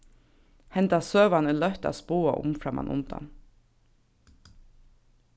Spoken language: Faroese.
henda søgan er løtt at spáa um frammanundan